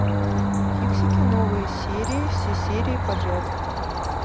фиксики новые серии все серии подряд